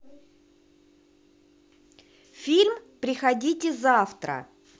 фильм приходите завтра